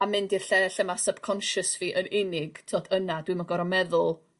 a mynd i'r lle lle ma' sub concious fi yn unig t'od yna dwi'm yn gor'o' meddwl